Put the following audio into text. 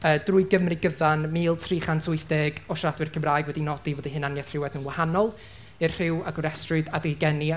yy drwy Gymru gyfan, mil tri chant wyth deg o siaradwyr Cymraeg wedi nodi bod eu hunaniaeth rhywedd yn wahanol i'r rhyw a gofrestrwyd adeg eu geni.